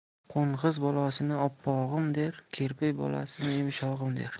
qo'ng'iz bolasini oppog'im der kirpi bolasini yumshog'im der